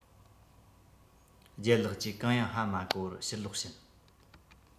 ལྗད ལགས ཀྱིས གང ཡང ཧ མ གོ བར ཕྱིར ལོག ཕྱིན